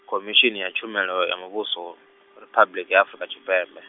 Khomishini ya Tshumelo ya Muvhuso Riphabuḽiki ya Afrika Tshipembe.